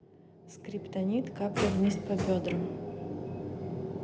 скриптонит капли вниз по бедрам